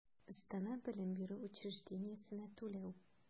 Өстәмә белем бирү учреждениесенә түләү